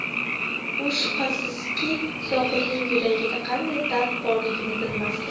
u shubhasizki zohidning yuragida qanday dard borligini bilmasdi